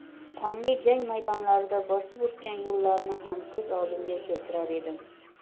qonli jang maydonlarida bosib o'tgan yo'llarini ham ko'z oldimga keltirar edim